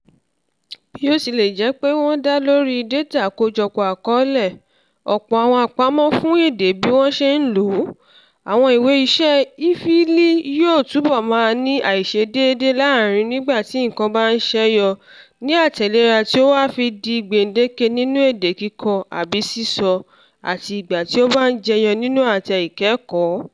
Bí ó tilẹ̀ jẹ́ pé wọ́n dá lórí "dátà àkójọpọ̀ àkọọ́lẹ̀" — ọ̀pọ̀ àwọn àpamọ́ fún èdè bí wọ́n ṣe ń lò ó — àwọn ìwé iṣẹ́ EFL yóò túbọ̀ máa ní àìṣedéédé láàárín nígbà tí nǹkan ba ń ṣẹ́yọ ní àtẹ̀léra tí ó fi wá di gbèǹdéke nínú èdè kíkọ àbí sísọ àti ìgbà tí ó bá ń jẹyọ nínú àtẹ ìkẹ́kọ̀ọ́.